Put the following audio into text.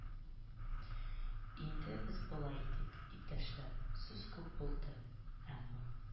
– инде без болай итик, иптәшләр: сүз күп булды, әмма